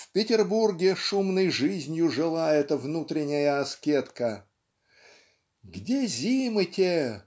В Петербурге шумной жизнью жила эта внутренняя аскетка "где зимы те